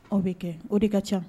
O bɛ kɛ o de ka ca.